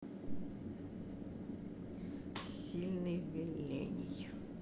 сильный велений